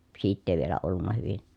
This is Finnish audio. siitä ei vielä ollut hyvin